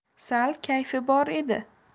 sal kayfi bor edi